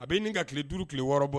A bɛi nin ka tile duuruurule wɔɔrɔ bɔ